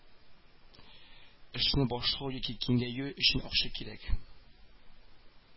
Эшне башлау яки киңәю өчен акча кирәк